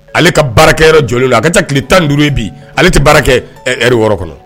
Ale ka baarakɛ yɔrɔ jɔlen do la a ka ca ni tile 15 ye bi ale tɛ baara kɛ yɔrɔ kɔnɔ.